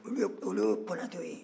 o lu ye konatɛw ye